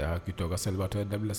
K'i to ka sabalitɔ ye dabila sa